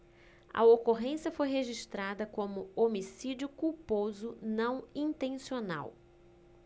a ocorrência foi registrada como homicídio culposo não intencional